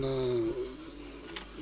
mais daal li ma la mën a wax mooy